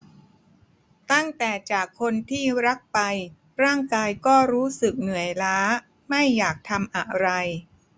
ตั้งแต่จากคนที่รักไปร่างกายก็รู้สึกเหนื่อยล้าไม่อยากทำอะไร